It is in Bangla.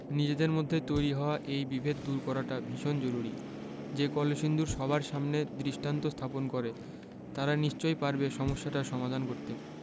নিজেদের মধ্যে তৈরি হওয়া এই বিভেদ দূর করাটা ভীষণ জরুরি যে কলসিন্দুর সবার সামনে দৃষ্টান্ত স্থাপন করে তারা নিশ্চয়ই পারবে সমস্যাটার সমাধান করতে